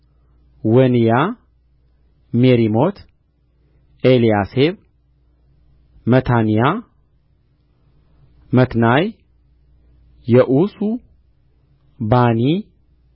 ወንያ ሜሪሞት ኤልያሴብ መታንያ መትናይ የዕሡ ባኒ